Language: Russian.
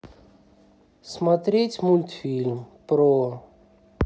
смотреть мультфильм про